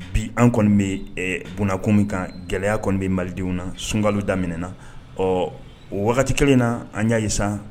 Bi an kɔni bɛ bko min kan gɛlɛya kɔni bɛ malidenw na sunka daminɛna ɔ o wagati kɛlen na an y'a ye